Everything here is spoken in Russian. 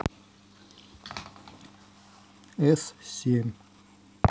с семь